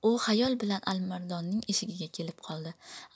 u xayol bilan alimardonning eshigiga kelib qoldi